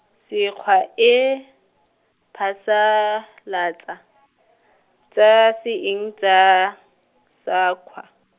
SAQA e, phasalatsa , tsa seseng tsa SAQA.